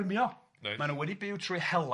...mae'n nhw wedi byw trwy hela,